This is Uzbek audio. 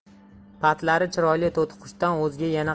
patlari chiroyli to'tiqushdan o'zga yana